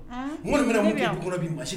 N kɔni bi na mun kɛ du kɔrɔ bi